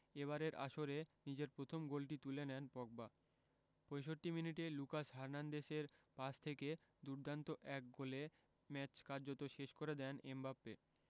এবারের আসরে নিজের প্রথম গোলটি তুলে নেন পগবা ৬৫ মিনিটে লুকাস হার্নান্দেজের পাস থেকে দুর্দান্ত এক গোলে ম্যাচ কার্যত শেষ করে দেন এমবাপ্পে